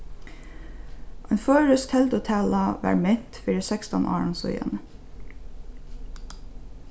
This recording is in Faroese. ein føroysk teldutala varð ment fyri sekstan árum síðani